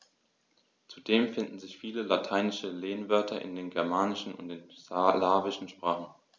Zudem finden sich viele lateinische Lehnwörter in den germanischen und den slawischen Sprachen.